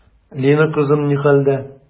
Лина кызым ни хәлдә?